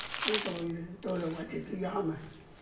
chúng tôi tôi là họa sĩ tự do mà